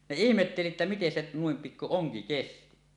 ne ihmetteli että miten se noin pikku onki kesti